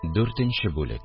Дүртенче бүлек